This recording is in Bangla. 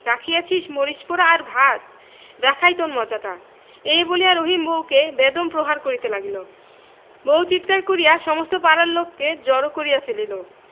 রাখিয়াছিস মরিচ পোড়া আর ভাত দেখাই তোর মজাটা এই বলিয়া রহিম বউকে বেদম প্রহার করিতে লাগিল বউ চিৎকার করিয়া সমস্ত পাড়ার লোককে জড় করিয়া ফেলিল